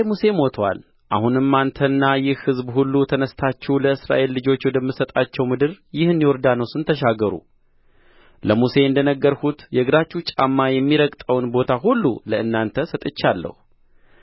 ሙሴ ሞቶአል አሁንም አንተና ይህ ሕዝብ ሁሉ ተነሥታችሁ ለእስራኤል ልጆች ወደምሰጣቸው ምድር ይህን ዮርዳኖስ ተሻገሩ ለሙሴ እንደ ነገርሁት የእግራችሁ ጫማ የሚረግጠውን ቦታ ሁሉ ለእናንተ ሰጥቼአለሁ